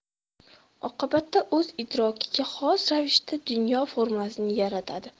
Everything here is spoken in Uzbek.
oqibatda o'z idrokiga xos ravishda dunyo formulasini yaratadi